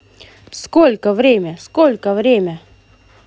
сколько время сколько время